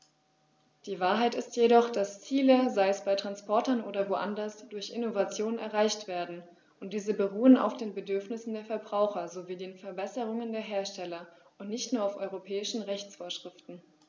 Die Wahrheit ist jedoch, dass Ziele, sei es bei Transportern oder woanders, durch Innovationen erreicht werden, und diese beruhen auf den Bedürfnissen der Verbraucher sowie den Verbesserungen der Hersteller und nicht nur auf europäischen Rechtsvorschriften.